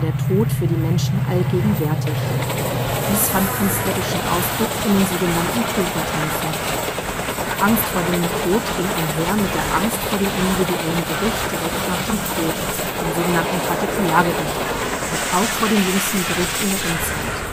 Tod für die Menschen allgegenwärtig. Dies fand künstlerischen Ausdruck in den „ Totentänzen “. Die Angst vor dem Tod ging einher mit der Angst vor dem individuellen Gericht direkt nach dem Tod (Partikulargericht) und vor dem Jüngsten Gericht in der Endzeit